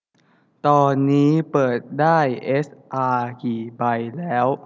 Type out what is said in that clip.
ตอนนี้เปิดได้เอสอากี่ใบแล้ว